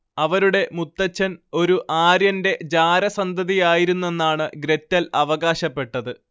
അവരുടെ മുത്തച്ഛൻ ഒരു ആര്യന്റെ ജാരസന്തതിയായിരുന്നെന്നാണ് ഗ്രെറ്റൽ അവകാശപ്പെട്ടത്